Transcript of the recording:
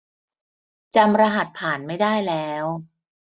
จำรหัสผ่านไม่ได้แล้ว